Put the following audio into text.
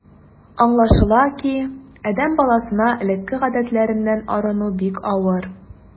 Аңлашыла ки, адәм баласына элекке гадәтләреннән арыну бик авыр.